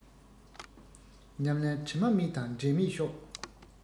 ཉམས ལེན དྲི མ མེད དང འབྲལ མེད ཤོག